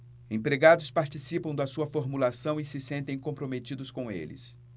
empregados participam da sua formulação e se sentem comprometidos com eles